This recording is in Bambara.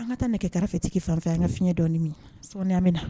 An ka taa nɛgɛ kɛfetigi fanfɛ an ka fiɲɛ dɔmi sɔyamina na